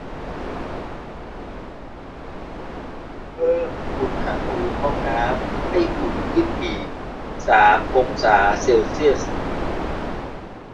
เพิ่มอุณหภูมิห้องน้ำให้อุ่นขึ้นอีกสามองศาเซลเซียส